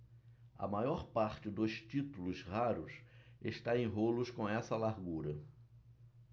a maior parte dos títulos raros está em rolos com essa largura